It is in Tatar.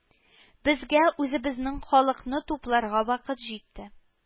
Безгә үзебезнең халыкны тупларга вакыт җитте